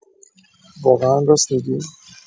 واقعا راست می‌گی؟